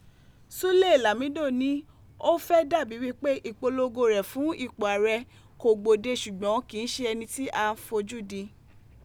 Súlè Lamido ni o fẹ da bi wi pe ipolongo rẹ fun ipo Aarẹ ko gbode sugbọn kii se ẹni a a foju di.